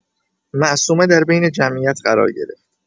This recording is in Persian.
معصومه در بین جمعیت قرار گرفت.